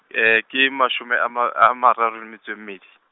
ke mashome a ma, a a mararo le metso e mmedi.